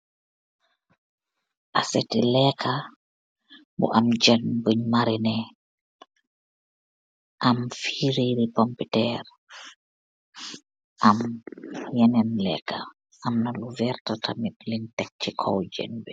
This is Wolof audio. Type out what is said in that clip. Aseti leeka bu am jën buñ marine, am fiiriiri pompetëer, am yeneen leeka amna lu veerta tamit liñ tek ci kow jën bi